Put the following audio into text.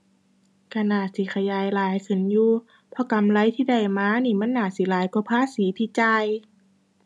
ก็น่าสิขยายหลายขึ้นอยู่ เพราะกำไรที่ได้มานี้ มันน่าสิหลายกว่าภาษีที่จ่าย